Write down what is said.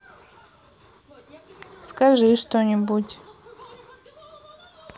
скажи что нибудь